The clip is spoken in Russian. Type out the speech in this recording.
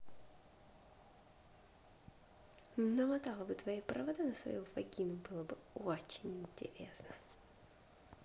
намотала бы твои провода на свою вагину было бы очень интересно